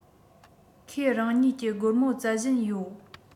ཁོས རང ཉིད ཀྱི སྒོར མོ བཙལ བཞིན ཡོད